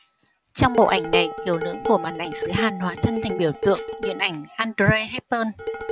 trong bộ ảnh này kiều nữ của màn ảnh xứ hàn hóa thân thành biểu tượng điện ảnh audrey hepburn